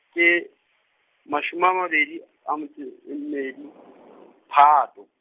ke, mashome a mabedi a metso e mmedi, Phato.